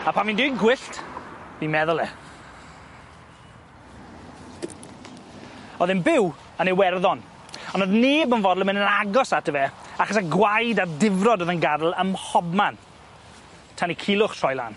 A pan fi'n deud gwyllt, fi'n meddwl e. O'dd e'n byw yn Iwerddon on' o'dd neb yn fodlon myn' yn agos ato fe achos y gwaed a'r difrod o'dd yn gadl ym mhobman tan i Culhwch troi lan.